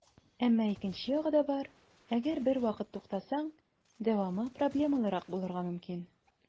Әмма икенче ягы да бар - әгәр бервакыт туктасаң, дәвамы проблемалырак булырга мөмкин.